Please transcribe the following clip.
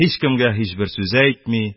Һичкемгә һичбер сүз әйтми,